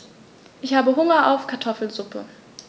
Ich habe Hunger auf Kartoffelsuppe.